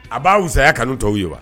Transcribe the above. A b'a wusaya kanu tɔw ye wa